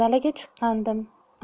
dalaga chiqqandim